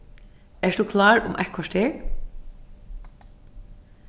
ert tú klár um eitt korter